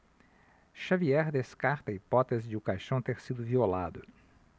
xavier descarta a hipótese de o caixão ter sido violado